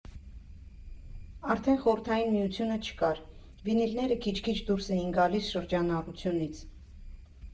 Արդեն Խորհրդային Միությունը չկար, վինիլները քիչ֊քիչ դուրս էին գալիս շրջանառությունից։